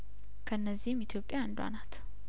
ከእነዚህም ኢትዮጵያ አንዷ ናት